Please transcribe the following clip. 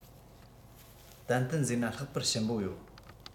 ཏན ཏན བཟས ན ལྷག པར ཞིམ པོ ཡོད